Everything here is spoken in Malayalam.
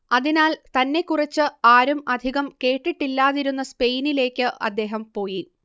അതിനാൽ തന്നെക്കുറിച്ച് ആരും അധികം കേട്ടിട്ടില്ലാതിരുന്ന സ്പെയിനിലേയ്ക്ക് അദ്ദേഹം പോയി